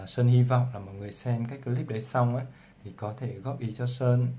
sơn hi vọng mọi người xem xong có thể góp ý cho sơn